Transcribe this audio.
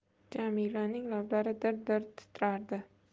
jamilaning lablari dir dir titrabdi